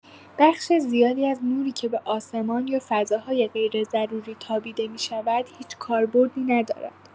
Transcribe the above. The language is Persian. بخش زیادی از نوری که به آسمان یا فضاهای غیرضروری تابیده می‌شود، هیچ کاربردی ندارد.